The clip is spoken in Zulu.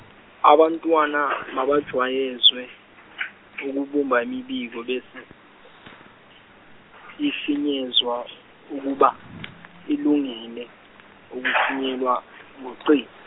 abantwana mabajwayezwe ukubumba imibiko bese ifinyezwa ukuba ilungele ukuthunyelwa ngocingo.